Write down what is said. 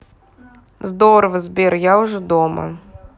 здорово сбер я уже дома